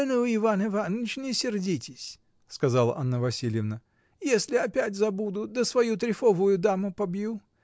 — Ну, Иван Иваныч, не сердитесь, — сказала Анна Васильевна, — если опять забуду да свою трефовую даму побью.